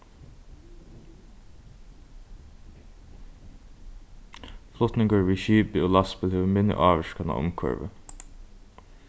flutningur við skipi og lastbili hevur minni ávirkan á umhvørvið